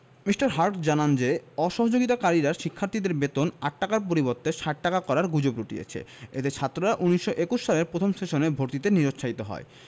Me. Hartog জানান যে অসহযোগিতাকারীরা শিক্ষার্থীদের বেতন ৮ টাকার পরিবর্তে ৬০ টাকা করার গুজব রটিয়েছে এতে ছাত্ররা ১৯২১ সালে প্রথম সেশনে ভর্তিতে নিরুৎসাহিত হয়